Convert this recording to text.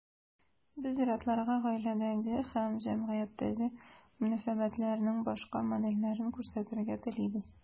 Без ир-атларга гаиләдәге һәм җәмгыятьтәге мөнәсәбәтләрнең башка модельләрен күрсәтергә телибез.